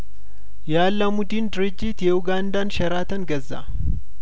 የአላሙዲን ድርጅት የኡጋንዳን ሼራተን ገዛ